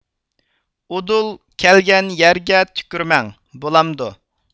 ئۇدۇل كەلگەن يەرگە تۈكۈرمەڭ بولامدۇ